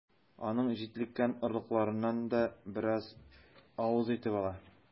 Аның җитлеккән орлыкларыннан да бераз авыз итеп ала.